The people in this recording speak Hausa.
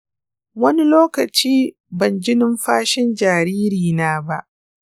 wani lokaci ban ji numfashin jaririna ba.